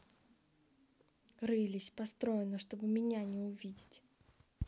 рылись построена чтобы меня увидеть